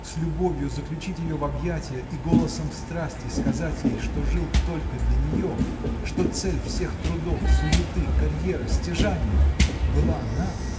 с любовью заключить ее в объятия и голосом страсти сказать ей что жил только для нее что цель всех трудов суеты карьеры стяжания – была она